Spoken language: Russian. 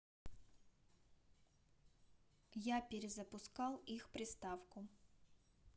я перезапускал их приставку